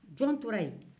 jɔn tora yen